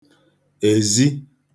èzi